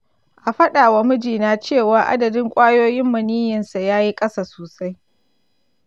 an faɗa wa mijina cewa adadin ƙwayoyin maniyyinsa ya yi ƙasa sosai.